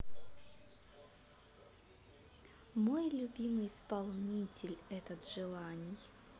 мой любимый исполнитель этот желаний